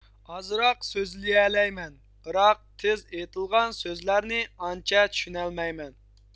ئازراق سۆزلىيەلمەن بىراق تېز ئېيتىلغان سۆزلەرنى ئانچە چۈشىنەلمەيمەن